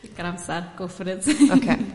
Digon o amsar go for it oce